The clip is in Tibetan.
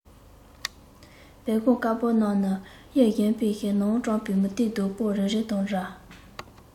བོད ཁང དཀར པོ རྣམས ནི གཡུའི གཞོང པའི ནང བཀྲམ པའི མུ ཏིག རྡོག པོ རེ རེ དང འདྲ